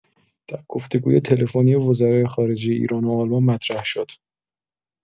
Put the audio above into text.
در گفت‌وگوی تلفنی وزرای خارجه ایران و آلمان مطرح شد.